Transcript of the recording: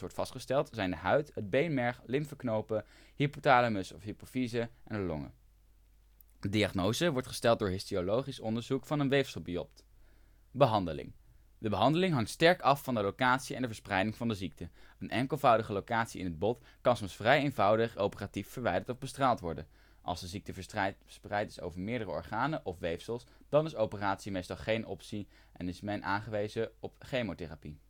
vastgesteld, zijn huid, beenmerg, lymfeknopen, hypothalamus/hypofyse, longen. De diagnose wordt gesteld door histologisch onderzoek van een weefselbiopt. De behandeling hangt sterk af van de locatie en de verspreiding van de ziekte. Een enkelvoudige locatie in het bot kan soms vrij eenvoudig operatief verwijderd of bestraald worden. Als de ziekte verspreid is over meerdere organen of weefsels dan is operatie meestal geen optie meer en is men aangewezen op chemotherapie